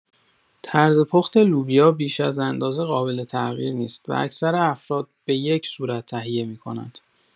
طرز پخت لوبیا بیش از اندازه قابل‌تغییر نیست و اکثر افراد به یک صورت تهیه می‌کنند.